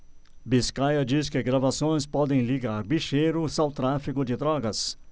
biscaia diz que gravações podem ligar bicheiros ao tráfico de drogas